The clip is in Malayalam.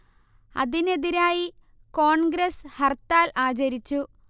അതിനെതിരായി കോൺഗ്രസ് ഹർത്താൽ ആചരിച്ചു